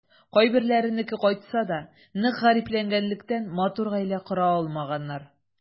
Кайберләренеке кайтса да, нык гарипләнгәнлектән, матур гаилә кора алмаганнар.